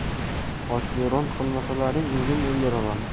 toshbo'ron qilmasalaring o'zim o'ldiraman